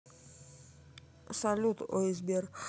салют ой сбер